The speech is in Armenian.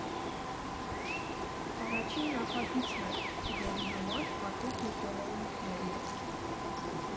Առաջին նախագիծն էր, որի համար հատուկ եկել էին մեր մոտ։